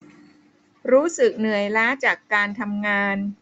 รู้สึกเหนื่อยล้าจากการทำงาน